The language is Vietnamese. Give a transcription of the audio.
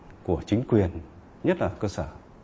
của chính quyền nhất là cơ sở